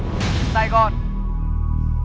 sài gòn